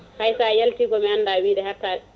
hay sa halti komi anda wiide hatta